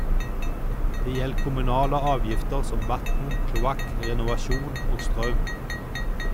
Det gjeld kommunale avgifter som vatn, kloakk, renovasjon og straum.